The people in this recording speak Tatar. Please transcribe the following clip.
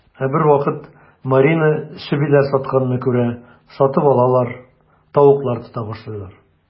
Ә бервакыт Марина чебиләр сатканны күрә, сатып алалар, тавыклар тота башлыйлар.